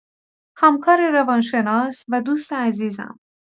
همکار روان‌شناس و دوست عزیزم